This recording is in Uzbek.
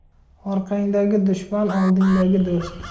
orqangdagi dushman oldingdagi do'st